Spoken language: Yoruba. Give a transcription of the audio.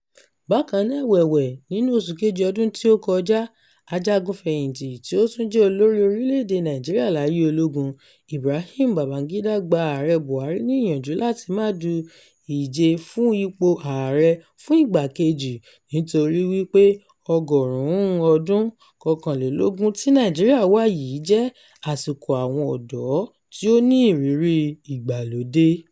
Bákan náà ẹ̀wẹ̀wẹ̀, nínú Oṣù Kejì ọdún tí ó kọjá, ajagun fẹ̀yìntì tí ó tún jẹ́ olórí orílẹ̀-èdè Nàìjíríà láyé ológun, Ibrahim Babangida gba Ààrẹ Buhari ní ìyànjú láti máà du ìje fún ipò Ààrẹ fún ìgbà kejì, nítorí wípé ọgọ́rùn-ún ọdún 21 tí Nàìjíríà wà yìí jẹ́ àsìkò àwọn ọ̀dọ́ tí ó ní ìrírí ìgbàlódé.